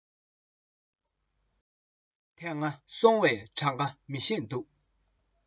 དེ སྔ སོང བའི གྲངས ཀ མི ཤེས འདུག